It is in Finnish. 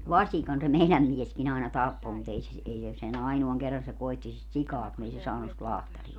vasikan se meidän mieskin aina tappoi mutta ei se - ei se sen ainoan kerran se koetti sitä sikaa kun ei se saanut sitä lahtaria